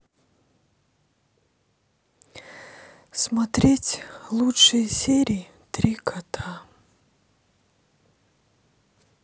смотреть лучшие серии три кота